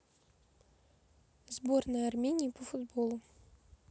сборная армении по футболу